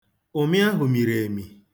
Ụmị ahụ miri emi.